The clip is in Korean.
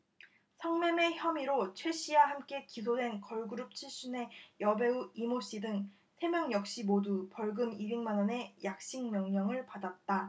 성매매 혐의로 최씨와 함께 기소된 걸그룹 출신의 여배우 이모씨 등 세 명 역시 모두 벌금 이백 만원의 약식명령을 받았다